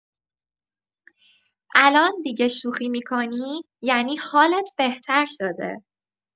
الان دیگه شوخی می‌کنی، یعنی حالت بهتر شده.